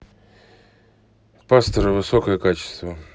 пастор высокое качество